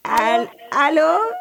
Al allo